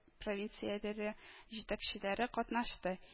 Провинцияләре җитәкчеләре катнашты